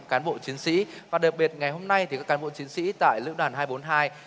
cán bộ chiến sĩ và đặc biệt ngày hôm nay thì các cán bộ chiến sĩ tại lữ đoàn hai bốn hai